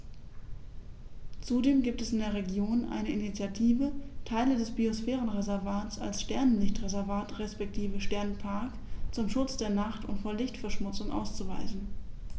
Zudem gibt es in der Region eine Initiative, Teile des Biosphärenreservats als Sternenlicht-Reservat respektive Sternenpark zum Schutz der Nacht und vor Lichtverschmutzung auszuweisen.